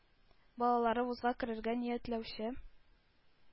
Балалары вузга керергә ниятләүче